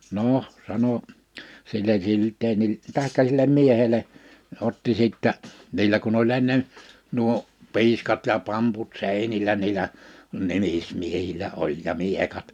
no sano sille Gyldenille tai sille miehelle otti sitten niillä kun oli ennen nuo piiskat ja pamput seinillä niillä nimismiehillä oli ja miekat